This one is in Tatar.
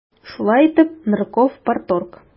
Шулай итеп, Нырков - парторг.